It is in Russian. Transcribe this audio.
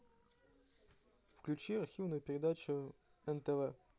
включи архивную передачу нтв